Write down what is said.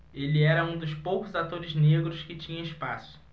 ele era um dos poucos atores negros que tinham espaço